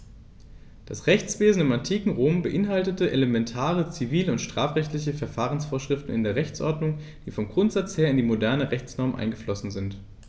Das Rechtswesen im antiken Rom beinhaltete elementare zivil- und strafrechtliche Verfahrensvorschriften in der Rechtsordnung, die vom Grundsatz her in die modernen Rechtsnormen eingeflossen sind.